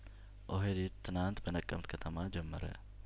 ኦህዴድ ትናንት በነቀምት ከተማ ጀመረ